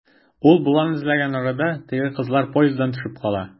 Ул болан эзләгән арада, теге кызлар поезддан төшеп кала.